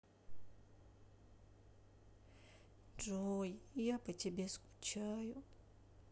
джой я по тебе скучаю